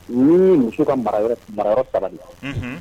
Ni muso ka mara yɔrɔ fara la